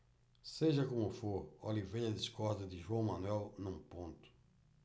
seja como for oliveira discorda de joão manuel num ponto